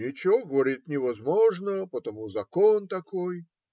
"Ничего, говорит, невозможно, потому - закон такой".